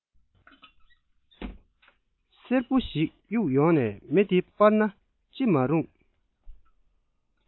བསེར བུ ཞིག གཡུགས ཡོང ནས མེ འདི སྦར ན ཅི མ རུང